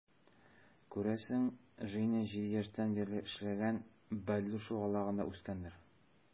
Күрәсең, Женя 7 яшьтән бирле эшләгән "Бәллүр" шугалагында үскәндер.